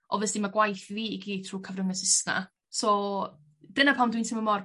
Obviously ma' gwaith i fi i gyd trw cyfrwng y Sysna so dyna pam dwi'n teimo mor